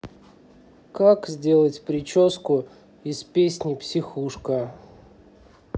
как сделать прическу из песни психушка